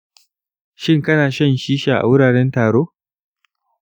shin kana shan shisha a wuraren taro?